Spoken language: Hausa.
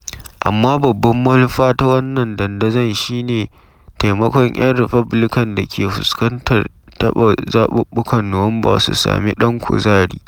Amma babbar manufa ta wannan dandazon taruka shi ne taimakon ‘yan Republican da ke fuskantar taɓa zaɓuɓɓukan Nuwamba su sami ɗan kuzari.